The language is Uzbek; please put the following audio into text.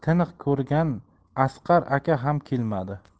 tiniq ko'rgan asqar aka ham kelmadi